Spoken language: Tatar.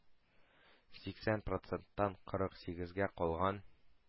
Сиксән проценттан кырык сигезгә калган.